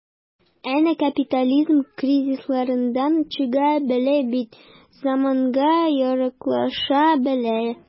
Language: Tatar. Әнә капитализм кризислардан чыга белә бит, заманга яраклаша белә.